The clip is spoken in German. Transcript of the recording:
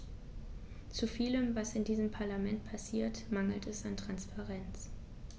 Zu vielem, was in diesem Parlament passiert, mangelt es an Transparenz.